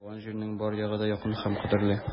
Туган җирнең бар ягы да якын һәм кадерле.